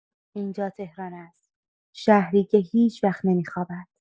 اینجا تهران است، شهری که هیچ‌وقت نمی‌خوابد.